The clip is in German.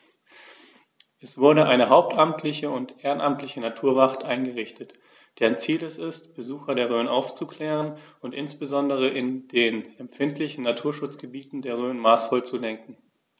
Es wurde eine hauptamtliche und ehrenamtliche Naturwacht eingerichtet, deren Ziel es ist, Besucher der Rhön aufzuklären und insbesondere in den empfindlichen Naturschutzgebieten der Rhön maßvoll zu lenken.